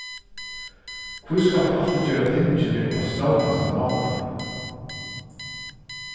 hví skalt tú altíð gera tingini upp á strævnasta máta